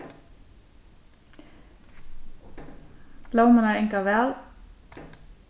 blómurnar anga væl